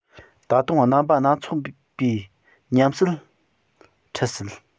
ད དུང རྣམ པ སྣ ཚོགས པའི ཉམས སད འཕྲད སྲིད